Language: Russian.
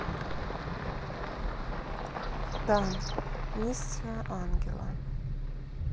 дан миссия ангела